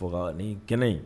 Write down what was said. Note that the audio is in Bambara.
Fo ni kɛnɛ in